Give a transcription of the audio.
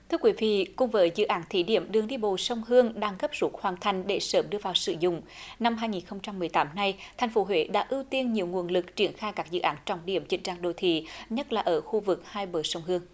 thưa quý vị cùng với dự án thí điểm đường đi bộ sông hương đang gấp rút hoàn thành để sớm đưa vào sử dụng năm hai nghìn không trăm mười tám này thành phố huế đã ưu tiên nhiều nguồn lực triển khai các dự án trọng điểm chỉnh trang đô thị nhất là ở khu vực hai bờ sông hương